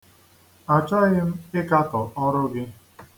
Achọghị m ịkatọ ọrụ gị.